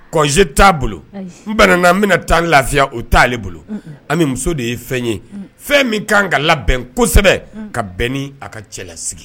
Kɔze t'a bolo bɛnana an bɛna taa lafiya o t'ale bolo an bɛ muso de ye fɛn ye fɛn min kan ka labɛn kosɛbɛ ka bɛn ni a ka cɛlasigi